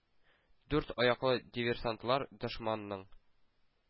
Дүрт аяклы диверсантлар дошманның